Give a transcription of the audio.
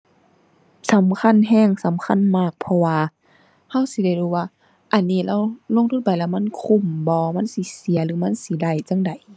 สำคัญแรง สำคัญมาก เพราะว่าแรงสิได้รู้ว่า อันนี้เราลงทุนไปแล้วมันคุ้มบ่ มันสิเสียหรือมันสิได้จั่งใด